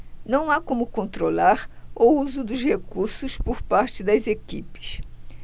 não há como controlar o uso dos recursos por parte das equipes